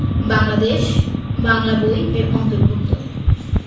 বাংলাদেশ বাংলা বই এর অন্তর্ভুক্ত